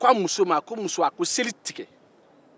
a ko muso ma ko seli tigɛ